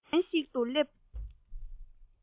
ཞིང ཁ གཞན ཞིག ཏུ སླེབས